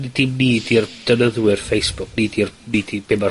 ...ny- dim ni 'di'r defnyddwyr Facebook. Ni di'r, ni 'di be' ma'r...